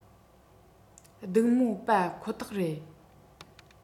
སྡུག མོ པ ཁོ ཐག རེད